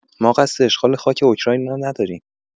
ما قصد اشغال خاک اوکراین را نداریم.